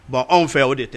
Bon anw fɛ o de tɛ